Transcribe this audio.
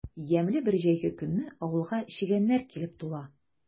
Ямьле бер җәйге көнне авылга чегәннәр килеп тула.